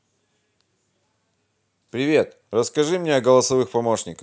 привет расскажи мне о голосовых помощниках